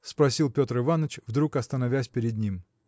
– спросил Петр Иваныч, вдруг остановясь перед ним.